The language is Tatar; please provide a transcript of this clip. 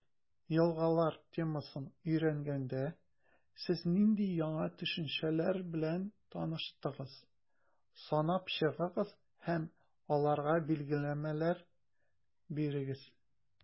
«елгалар» темасын өйрәнгәндә, сез нинди яңа төшенчәләр белән таныштыгыз, санап чыгыгыз һәм аларга билгеләмәләр бирегез.